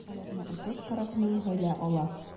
Аларны 34 мең гаилә ала.